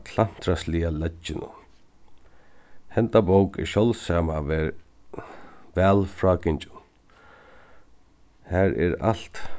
klantrasliga legginum henda bók er sjáldsama væl frágingin har er alt